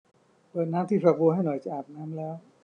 เปิดน้ำที่ฝักบัวให้หน่อยจะอาบน้ำแล้ว